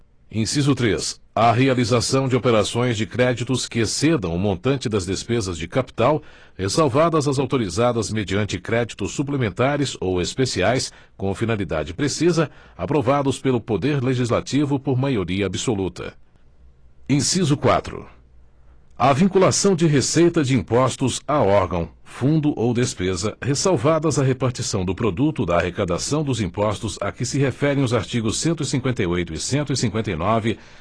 inciso três a realização de operações de créditos que excedam o montante das despesas de capital ressalvadas as autorizadas mediante créditos suplementares ou especiais com finalidade precisa aprovados pelo poder legislativo por maioria absoluta inciso quatro a vinculação de receita de impostos a órgão fundo ou despesa ressalvadas a repartição do produto da arrecadação dos impostos a que se referem os artigos cento e cinquenta e oito e cento e cinquenta e nove